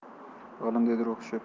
o'g'lim dedi ruhi tushib